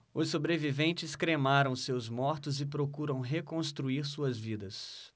os sobreviventes cremaram seus mortos e procuram reconstruir suas vidas